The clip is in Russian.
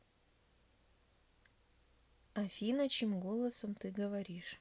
афина чьим голосом ты говоришь